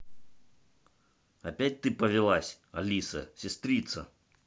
опять ты повелась алиса сестрица